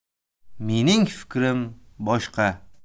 mening fikrim boshqa